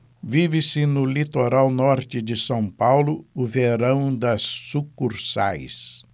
vive-se no litoral norte de são paulo o verão das sucursais